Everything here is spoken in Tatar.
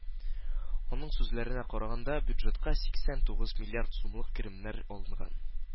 Аның сүзләренә караганда, бюджетка сиксән тугыз миллиард сумлык керемнәр алынган.